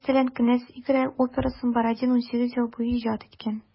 Мәсәлән, «Кенәз Игорь» операсын Бородин 18 ел буе иҗат иткән.